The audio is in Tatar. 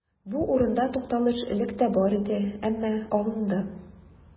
Бу урында тукталыш элек тә бар иде, әмма алынды.